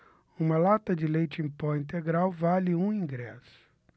uma lata de leite em pó integral vale um ingresso